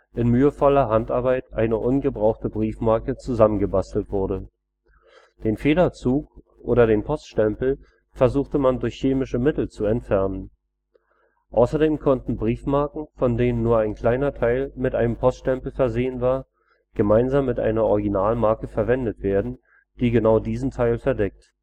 in mühevoller Handarbeit eine ungebrauchte Briefmarke zusammengebastelt wurde. Den Federzug oder den Poststempel versuchte man durch chemische Mittel zu entfernen. Außerdem konnten Briefmarken, von denen nur ein kleiner Teil mit einem Poststempel versehen war, gemeinsam mit einer Originalmarke verwendet werden, die genau diesen Teil verdeckt